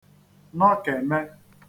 nọkème